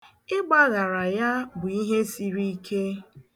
Ịgbaghara ya bụ ihe siri ike.